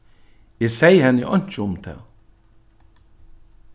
eg segði henni einki um tað